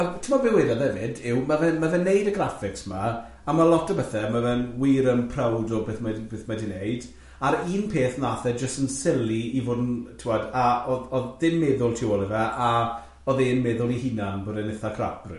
A timod be' wedd e efyd yw, ma' fe'n ma' fe'n wneud y graphics ma, a ma' lot o bethe, ma' fe'n wir yn proud o beth mae'n beth mae hi'n wneud, a'r un peth wnaeth e jyst yn silly i fod yn, tibod, a oedd oedd dim meddwl tu ôl i fe, a oedd e'n meddwl ei hunan bod e'n itha crap rili.